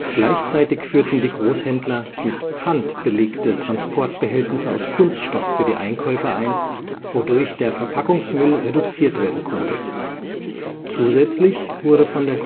Gleichzeitig führten die Großhändler mit Pfand belegte Transportbehältnisse aus Kunststoff für die Einkäufer ein, wodurch der Verpackungsmüll reduziert werden konnte. Zusätzlich wurde von der